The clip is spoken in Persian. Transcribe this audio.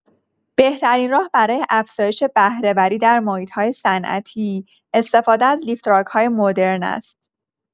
بهترین راه برای افزایش بهره‌وری در محیط‌های صنعتی، استفاده از لیفتراک‌های مدرن است.